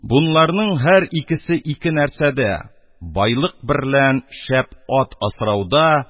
Бунларның һәр икесе ике нәрсәдә — байлык берлән шәп ат асрауда